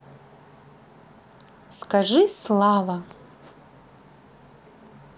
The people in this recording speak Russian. скажи слава